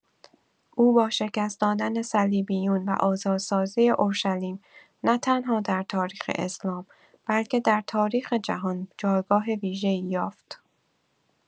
او با شکست‌دادن صلیبیون و آزادسازی اورشلیم، نه‌تنها در تاریخ اسلام بلکه در تاریخ جهان جایگاه ویژه‌ای یافت.